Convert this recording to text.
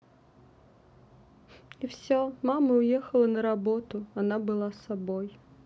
и все мама уехала на работу она была собой